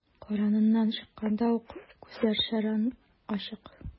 Карыныннан чыкканда ук күзләр шәрран ачык.